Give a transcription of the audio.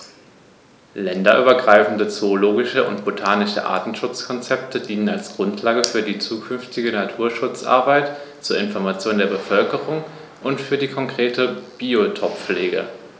Länderübergreifende zoologische und botanische Artenschutzkonzepte dienen als Grundlage für die zukünftige Naturschutzarbeit, zur Information der Bevölkerung und für die konkrete Biotoppflege.